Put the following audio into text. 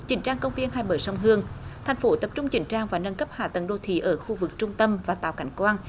chỉnh trang công viên hai bờ sông hương thành phố tập trung chỉnh trang và nâng cấp hạ tầng đô thị ở khu vực trung tâm và tạo cảnh quan